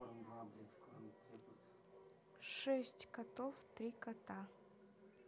шесть котов три кота